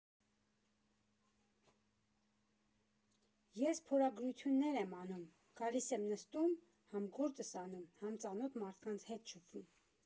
Ես փորագրություններ եմ անում, գալիս եմ նստում, համ գործս անում, համ ծանոթ մարդկանց հետ շփվում։